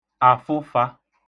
àfụfā